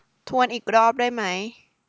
ทวนอีกรอบได้ไหม